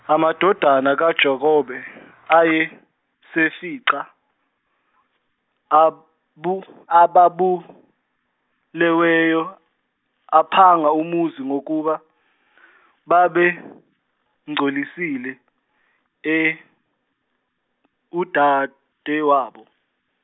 amadodana kaJakobe ayesefica abu- ababuleweyo aphanga umuzi ngokuba babengcolisile e- udadewabo.